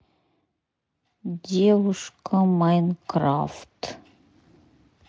девушка майнкрафт